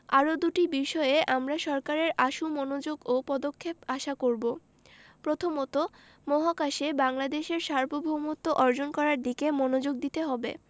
আরও দুটি বিষয়ে আমরা সরকারের আশু মনোযোগ ও পদক্ষেপ আশা করব প্রথমত মহাকাশে বাংলাদেশের সার্বভৌমত্ব অর্জন করার দিকে মনোযোগ দিতে হবে